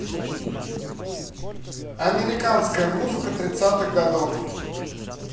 американская музыка тридцатых годов